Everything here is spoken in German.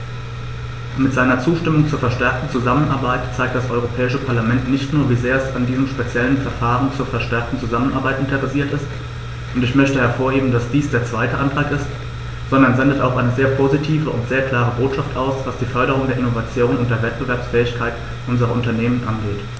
Mit seiner Zustimmung zur verstärkten Zusammenarbeit zeigt das Europäische Parlament nicht nur, wie sehr es an diesem speziellen Verfahren zur verstärkten Zusammenarbeit interessiert ist - und ich möchte hervorheben, dass dies der zweite Antrag ist -, sondern sendet auch eine sehr positive und sehr klare Botschaft aus, was die Förderung der Innovation und der Wettbewerbsfähigkeit unserer Unternehmen angeht.